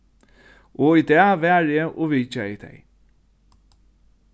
og í dag var eg og vitjaði tey